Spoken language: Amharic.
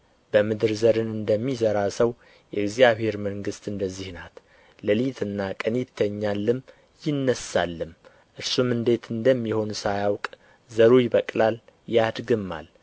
በምድር ዘርን እንደሚዘራ ሰው የእግዚአብሔር መንግሥት እንደዚህ ናት ሌሊትና ቀን ይተኛልም ይነሣልም እርሱም እንዴት እንደሚሆን ሳያውቅ ዘሩ ይበቅላል ያድግማል